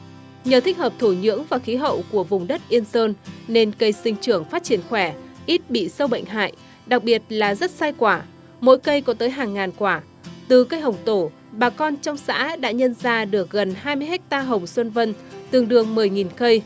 nhờ thích hợp thổ nhưỡng và khí hậu của vùng đất yên sơn nên cây sinh trưởng phát triển khỏe ít bị sâu bệnh hại đặc biệt là rất sai quả mỗi cây có tới hàng ngàn quả từ cây hồng tổ bà con trong xã đã nhận ra được gần hai mươi héc ta hồng xuân vân tương đương mười nghìn cây